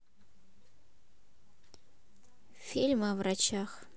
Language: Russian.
фильмы о врачах